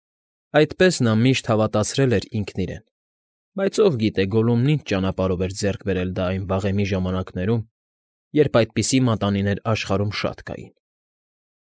Այդպես նա միշտ հավատացրել էր ինքն իրեն, բայց ո՞վ գիտե Գոլլումն ինչ ճանապարհով էր ձեռք բերել դա այն վաղեմի ժամանակներում, երբ այդպիսի մատանիներ աշխարհում շատ կային։